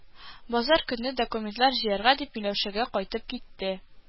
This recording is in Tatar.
Базар көнне, «документлар» җыярга дип, Миләүшәгә кайтып китте